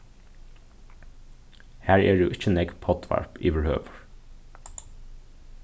har eru ikki nógv poddvarp yvirhøvur